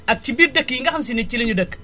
ak ci biir dëkk yi nga xam si ne ci la ñu dëkk